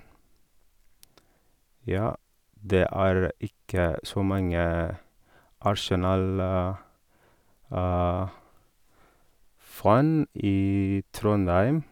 Ja, det er ikke så mange Arsenalfan i Trondheim.